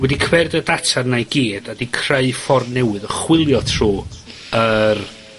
wedi data 'na i gyd a 'di creu ffor newydd o chwilio trw yr